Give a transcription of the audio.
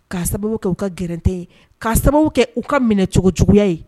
K'a sababu kɛ u ka g garante ye k'a sababu kɛ u ka minɛcogo cogoya ye